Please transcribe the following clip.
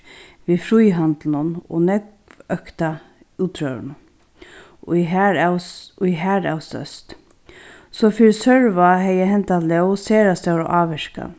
við fríhandlinum og nógv økta útróðrinum ið harav stóðst so fyri sørvág hevði henda lóg sera stóra ávirkan